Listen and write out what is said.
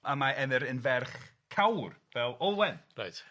A mae Emyr yn ferch cawr fel Olwen. Reit.